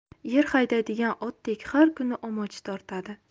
yer haydaydigan otdek har kuni omoch tortadi